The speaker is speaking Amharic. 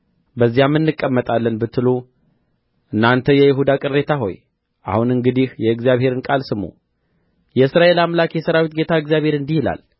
በዚያም እንቀመጣለን ብትሉ እናንተ የይሁዳ ቅሬታ ሆይ አሁን እንግዲህ የእግዚአብሔርን ቃል ስሙ የእስራኤል አምላክ የሠራዊት ጌታ እግዚአብሔር እንዲህ ይላል